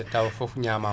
tawa foof ñamama